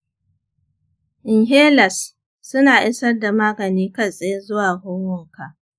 inhalers suna isar da magani kai tsaye zuwa huhunka.